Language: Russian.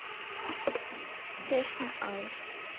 песня айс